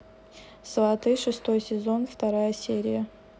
сваты шестой сезон вторая серия